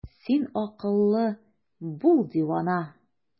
Син акыллы, бул дивана!